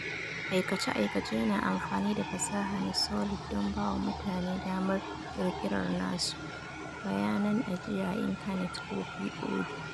Aikace-aikace yana amfani da fasaha na Solid don bawa mutane damar ƙirƙirar nasu "bayanan ajiya a intanit" ko POD.